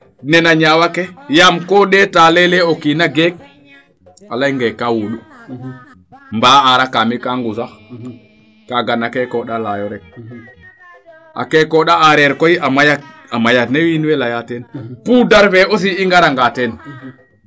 nene ñaawa ke yaam ko ndeeta leyele o kiina geek o leynge kaa wuund mbaa araka mi kaa ngusax kaaga na kekondala yo rek a keekoond a areer koy a maya a maya nee wiin we leyaa teen poudre fee aussi i ngara ngaa teen